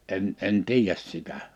en en tiedä sitä